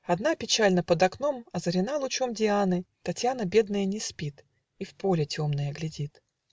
Одна, печальна под окном Озарена лучом Дианы, Татьяна бедная не спит И в поле темное глядит.